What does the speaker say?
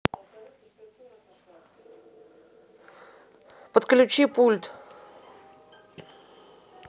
подключи пульт